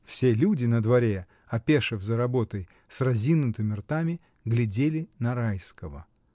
Все люди на дворе, опешив за работой, с разинутыми ртами глядели на Райского.